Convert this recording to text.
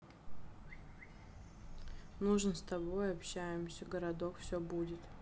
нужен с тобой общаемся городок все будет